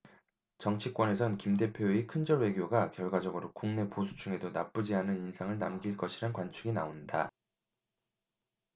정치권에선 김 대표의 큰절 외교가 결과적으로 국내 보수층에도 나쁘지 않은 인상을 남길 것이란 관측이 나온다